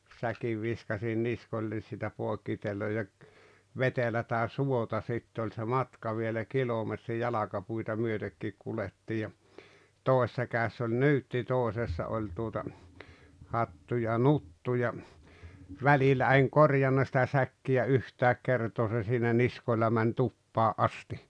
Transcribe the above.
säkin viskasin niskoilleni siitä poikkiteloin ja vetelää suota sitten oli se matka vielä kilometri jalkapuita myötenkin kuljettiin ja toisessa kädessä oli nyytti toisessa oli tuota hattu ja nuttu ja välillä en korjannut sitä säkkiä yhtään kertaa se siinä niskoilla meni tupaan asti